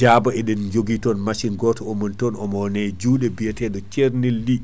Diaba eɗen joogui ton machine goto omo wone juuɗe biyateɗo ceernel Ly